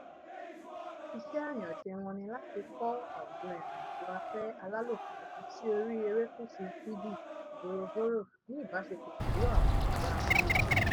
Iṣẹ́ àyànṣe wọn ni láti kọ́ àwùjọ ìrìn-àjò afẹ́ alálòpẹ́ sí orí erékùsù Fiji, Vorovoro, ní ìbáṣepọ̀ pẹ̀lú àwọn ará abúlé.